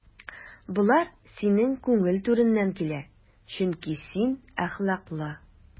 Болар синең күңел түреннән килә, чөнки син әхлаклы.